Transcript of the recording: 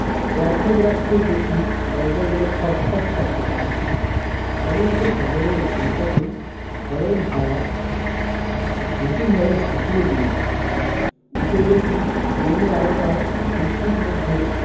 অর্ধেক রাত্রে দেখি দরজাগুলো খটখট শব্দে কাঁপছে সমস্ত শহরের ঘুমটাকে ঝড়ের হাওয়া ঝুঁটি ধরে ঝাঁকিয়ে দিলে উঠে দেখি গলির আলোটা বৃষ্টির মধ্যে